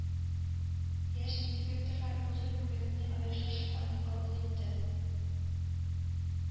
Яшь инспекторлар бу зур бүлекне аеруча шатланып кабул итте